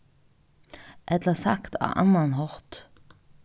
ella sagt á annan hátt